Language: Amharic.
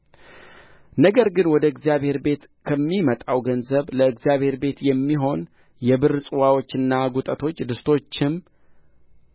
ነገር ግን ወደ እግዚአብሔር ቤት ከሚመጣው ገንዘብ ለእግዚአብሔር ቤት የሚሆኑ የብር ጽዋዎችና ጕጠቶች ድስቶችም